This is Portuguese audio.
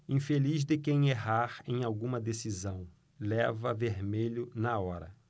infeliz de quem errar em alguma decisão leva vermelho na hora